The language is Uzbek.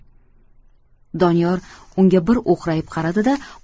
doniyor unga bir o'qrayib qaradi da